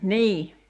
niin